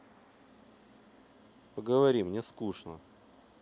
поговори мне скучно